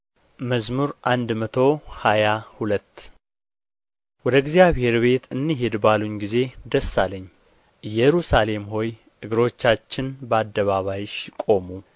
መዝሙር መቶ ሃያ ሁለት ወደ እግዚአብሔር ቤት እንሄድ ባሉኝ ጊዜ ደስ አለኝ ኢየሩሳሌም ሆይ እግሮቻችን በአደባባይሽ ቆሙ